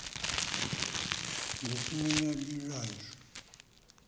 да ты меня обижаешь